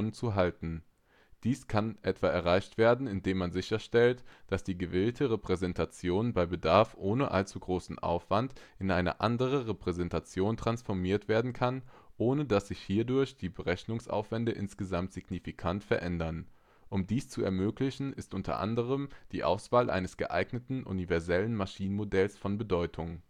zu halten. Dies kann etwa erreicht werden, indem man sicherstellt, dass die gewählte Repräsentation bei Bedarf ohne allzu großen Aufwand in eine andere Repräsentation transformiert werden kann, ohne dass sich hierdurch die Berechnungsaufwände insgesamt signifikant verändern. Um dies zu ermöglichen, ist unter anderem die Auswahl eines geeigneten universellen Maschinenmodells von Bedeutung